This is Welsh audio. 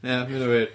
Ia, ma' hynna'n wir